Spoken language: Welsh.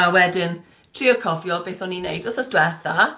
a wedyn trio cofio beth o'n i'n wneud wythnos diwetha,